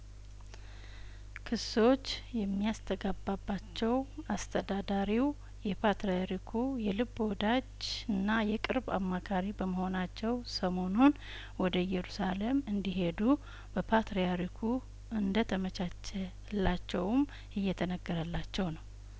ክሶች የሚያስተጋባባቸው አስተዳዳሪው የፓትርያርኩ የልብ ወዳጅና የቅርብ አማካሪ በመሆ ናቸው ሰሞኑን ወደ ኢየሩሳሌም እንዲ ሄዱ በፓትርያርኩ እንደተመቻቸላቸውም እየተነገረላቸው ነው